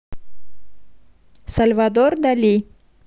сальвадор дали